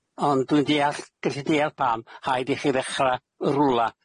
Ond dwi'n diall- gallu diall pam, 'haid i chi ddechra yn rwla.